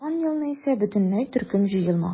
Узган елны исә бөтенләй төркем җыелмаган.